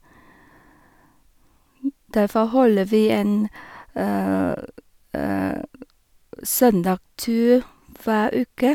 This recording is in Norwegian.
Derfor holder vi en søndagstur hver uke.